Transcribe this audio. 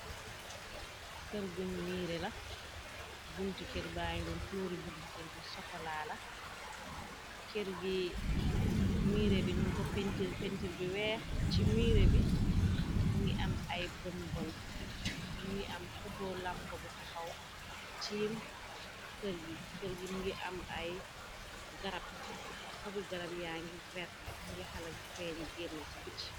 Kër guñ miire la bunti kër bàñuroon cloori buntikër bi sokolaala kër gi miiré bi ñu ko pentir pentir bi weex ci miiré bi mu ngi am ay bon bon mu ngi am poto lampa bu taxaw tiim gkër gi mi ngi am ay garab xobi garab yaa ngi verta ñngi xalak feeñ génna ci bit.